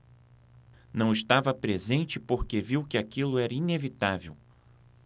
não estava presente porque viu que aquilo era inevitável